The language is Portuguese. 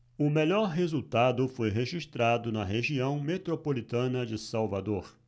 o melhor resultado foi registrado na região metropolitana de salvador